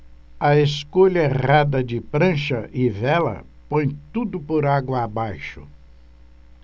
a escolha errada de prancha e vela põe tudo por água abaixo